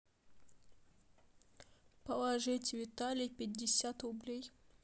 положить виталий пятьдесят рублей